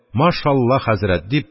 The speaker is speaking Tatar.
«машалла, хәзрәт!» – дип,